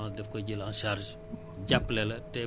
oto yoo xam ne mu ngi ci biir tool bi di ci liggéey